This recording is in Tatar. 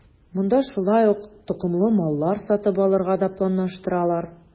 Монда шулай ук токымлы маллар сатып алырга да планлаштыралар.